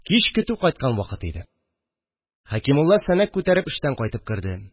Кич көтү кайткан вакыт иде, Хәкимулла сәнәк күтәреп эштән кайтып керде